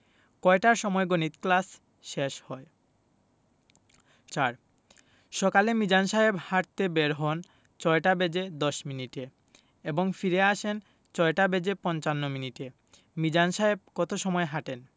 কয়টার সময় গণিত ক্লাস শেষ হয় ৪ সকালে মিজান সাহেব হাঁটতে বের হন ৬টা বেজে ১০ মিনিটে এবং ফিরে আসেন ৬টা বেজে পঞ্চান্ন মিনিটে মিজান সাহেব কত সময় হাঁটেন